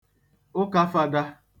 Ụka Fada